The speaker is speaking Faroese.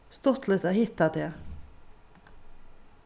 stuttligt at hitta teg